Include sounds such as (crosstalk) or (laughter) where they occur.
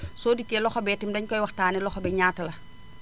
(noise) soo dikkee loxo bee itam dañu koy waxtaanee (noise) loxo bi ñaata la